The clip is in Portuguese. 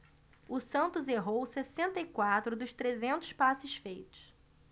o santos errou sessenta e quatro dos trezentos passes feitos